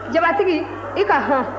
jabatigi i ka hɔn